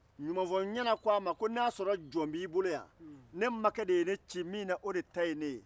ɲumanfɔ-n-ɲɛna ko a ma ko n'a y'a sɔrɔ jɔn b'i bolo yan ne makɛ de ye ne ci min na o de ta ye ne ye